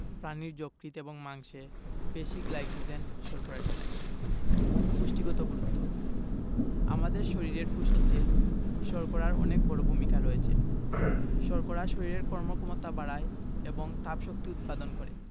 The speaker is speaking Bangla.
প্রাণীর যকৃৎ এবং মাংসে পেশি গ্লাইকোজেন শর্করাটি থাকে পুষ্টিগত গুরুত্ব আমাদের শরীরের পুষ্টিতে শর্করার অনেক বড় ভূমিকা রয়েছে শর্করা শরীরের কর্মক্ষমতা বাড়ায় এবং তাপশক্তি উৎপাদন করে